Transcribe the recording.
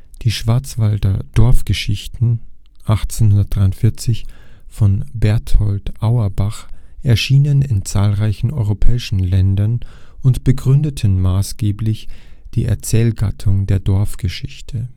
Die Schwarzwälder Dorfgeschichten (1843) von Berthold Auerbach erschienen in zahlreichen europäischen Ländern und begründeten maßgeblich die Erzählgattung der Dorfgeschichte. Ein